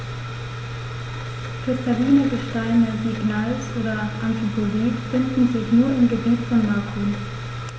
Kristalline Gesteine wie Gneis oder Amphibolit finden sich nur im Gebiet von Macun.